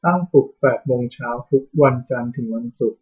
ตั้งปลุกแปดโมงเช้าทุกวันจันทร์ถึงวันศุกร์